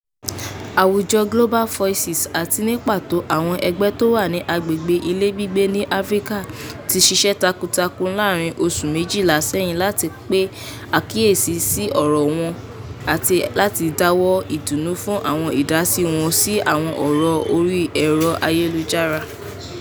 Àwùjọ Global Voices àti ní pàtó, àwọn ẹgbẹ́ tó wà ní agbègbè ilẹ̀ gbígbẹ́ ní Áfíríkà ti ṣiṣẹ́ takuntakun láàárìn oṣù méjìlá ṣẹ́yìn láti pe àkíyèsí sí ọ̀rọ̀ wọn àti láti dáwọ̀ọ́ ìdùnnú fún àwọn ìdásí wọn sí àwọn ọ̀rọ̀ orí ẹ̀rọ ayélujára.